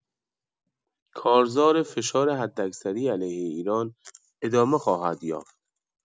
کارزار فشار حداکثری علیه ایران ادامه خواهد یافت.